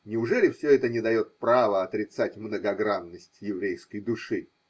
Неужели все это не дает права отрицать многогранность еврейской души?